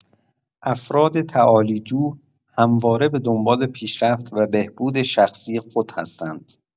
افراد تعالی‌جو همواره به دنبال پیشرفت و بهبود شخصی خود هستند.